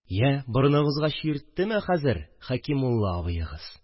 Я, борыныгызга чирттеме хәзер Хәкимулла абыегыз